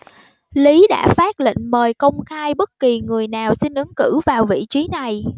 lý đã phát lệnh mời công khai bất kỳ người nào xin ứng cử vào vị trí này